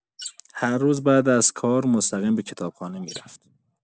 هر روز بعد از کار، مستقیم به کتابخانه می‌رفت.